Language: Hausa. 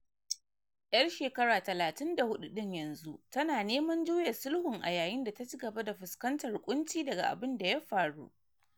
Yar shekara 34 ɗn yanzu tana neman juya sulhun a yayin da ta ci gaba da fuskantar kunci daga abun da ya farun.